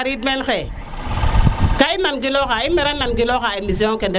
garid men xay nga i mero nan giloxa émission ke ndaf leŋ